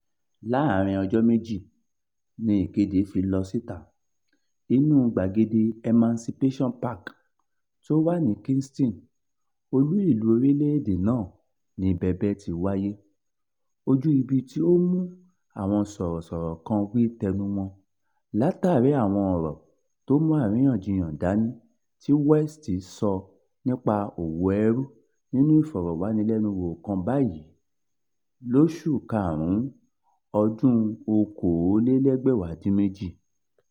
Láàárín ọjọ́ méjì ni ìkéde fi lọ síta, inúu gbàgede Emancipation Park tó wà ní Kingston, olú ìlú orílẹ̀ èdè náà ni bẹbẹ́ ti wáyé — ojú ibi tí ó mú àwọn sọ̀rọ̀sọ̀rọ̀ kan wí tẹnu wọn látàrí àwọn ọ̀rọ̀ tó mú àríyànjiyàn dání tí West sọ nípa òwò ẹrú nínú ìfọ̀rọ̀wánilẹ́nuwò kan báyìí lóṣù karùn-ún ọdún-un 2018.